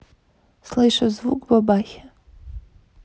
слышу звук бабахи